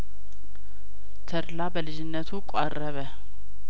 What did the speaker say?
ተድላ በልጅነቱ ቆረበ